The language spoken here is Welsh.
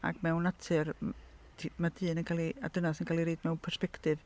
Ac mewn natur m- t- mae dyn yn cael ei... a dyna sy'n cael ei roid mewn persbectif.